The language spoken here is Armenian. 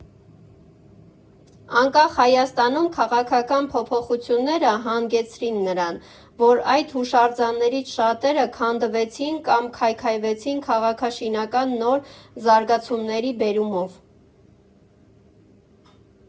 Անկախ Հայաստանում քաղաքական փոփոխությունները հանգեցրին նրան, որ այդ հուշարձաններից շատերը քանդվեցին կամ քայքայվեցին քաղաքաշինական նոր զարգացումների բերումով։